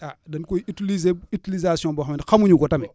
ah dañ koy utiliser utilisation boo xamante ne xamuñu ko tamit